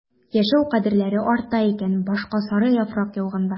Яшәү кадерләре арта икән башка сары яфрак яуганда...